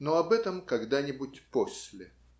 Но об этом - когда-нибудь после.